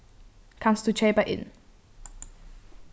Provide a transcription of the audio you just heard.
kanst tú keypa inn